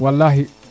walahi